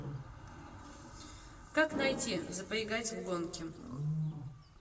как найти запрягать в гонки